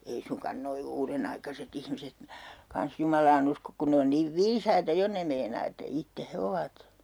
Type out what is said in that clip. ei suinkaan nuo uudenaikaiset ihmiset kanssa Jumalaan usko kun ne on niin viisaita jo ne meinaa että itse he ovat